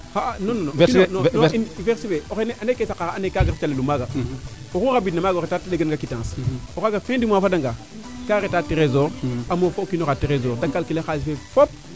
xa'a non non verser fee o xene kee o saqa kaaga ref calelum maaga oxu rabidma maaga reta rek te ɗegan nga quittance o xaaga fin du mois fada nga kaa reta tresor a moof fo o kiino xa tresor te calculer xalis fee fop